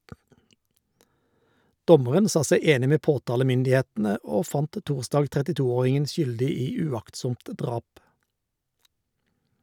Dommeren sa seg enig med påtalemyndighetene, og fant torsdag 32-åringen skyldig i uaktsomt drap.